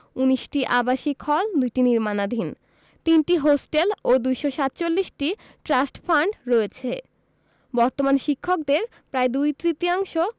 ১৯টি আবাসিক হল ২টি নির্মাণাধীন ৩টি হোস্টেল ও ২৪৭টি ট্রাস্ট ফান্ড রয়েছে বর্তমান শিক্ষকদের প্রায় দুই তৃতীয়াংশ